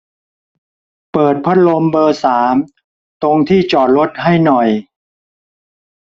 เปิดพัดลมเบอร์สามตรงที่จอดรถให้หน่อย